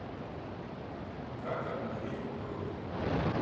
как обновить бронь